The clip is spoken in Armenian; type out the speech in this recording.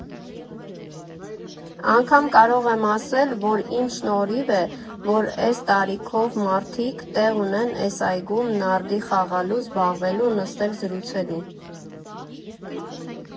Անգամ կարող եմ ասել, որ իմ շնորհիվ է, որ էս տարիքով մարդիկ տեղ ունեն էս այգում նարդի խաղալու, զբաղվելու, նստել֊զրուցելու։